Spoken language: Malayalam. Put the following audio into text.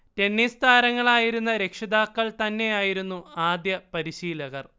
ടെന്നീസ് താരങ്ങളായിരുന്ന രക്ഷിതാക്കൾ തന്നെയായിരുന്നു ആദ്യപരിശീലകർ